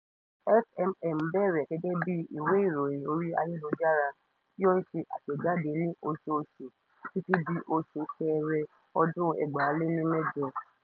FMM bẹ̀rẹ̀ gẹ́gẹ́ bíi ìwé ìròyìn orí ayélujára, tí ó ń ṣe àtẹ̀jáde ní oṣooṣù títí di oṣù Ṣẹ́ẹ́rẹ́ ọdún 2008.